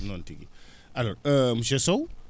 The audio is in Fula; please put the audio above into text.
noon tigi alors monsieur Sow